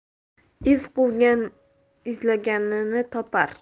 iz quvgan izlaganini topar